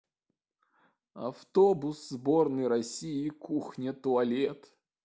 автобус сборной россии кухня туалет